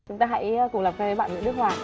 chúng ta hãy cùng là quen bạn nguyễn đức hòa